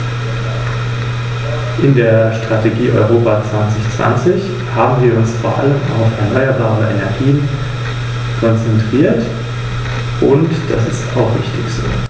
Danken möchte ich sowohl dem Berichterstatter für seinen überaus akribischen und sachkundigen Bericht als auch der Kommission für den von ihr eingebrachten Vorschlag.